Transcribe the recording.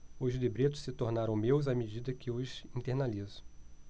os libretos se tornam meus à medida que os internalizo